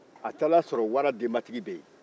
a taara sɔrɔ wara denbatigi bɛ yen